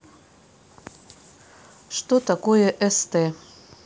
что такое st